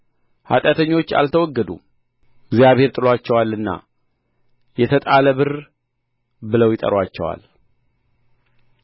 ኃጢአተኞች አልተወገዱም እግዚአብሔር ጥሎአቸዋልና የተጣለ ብር ብለው ይጠሩአቸዋል